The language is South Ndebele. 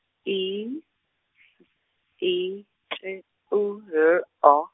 I, S, I, T, U, L, O.